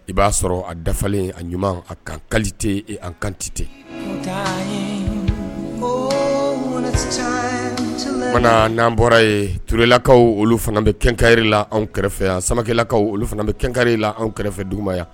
I b'a sɔrɔ a dafalen a ɲuman a kan ka tɛ an kantete n'an bɔra ye turlakaw olu fana bɛ kɛnkari la anw kɛrɛfɛ yan samakɛlakaw olu fana bɛ kɛnka la anw kɛrɛfɛ di ma yan